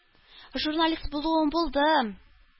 Журналист булуын булдым,